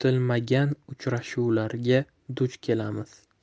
kutilmagan uchrashuvlarga duch kelamiz